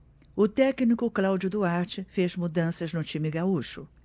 o técnico cláudio duarte fez mudanças no time gaúcho